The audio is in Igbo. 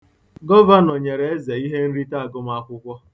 Govanọ nyere Eze ihenrite agụmakwụkwọ.